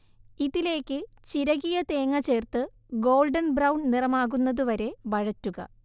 ഇതിലേക്ക് ചിരകിയ തേങ്ങ ചേർത്ത് ഗോൾഡൻ ബ്രൗൺ നിറമാകുന്നതുവരെ വഴറ്റുക